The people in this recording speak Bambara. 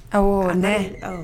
Ɔwɔɔ a nɛn awɔ